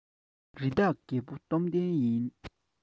རི དྭགས རྒྱལ པོ སྟོབས ལྡན པ